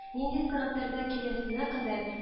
Нинди сәгатьләрдә киләсенә кадәр